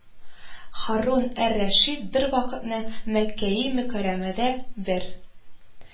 Һарун әр-Рәшит бервакытны Мәккәи Мөкәррәмәдә бер